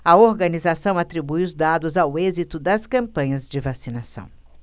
a organização atribuiu os dados ao êxito das campanhas de vacinação